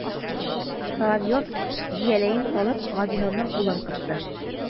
Соловеев, бияләен салып, Газинурның кулын кысты.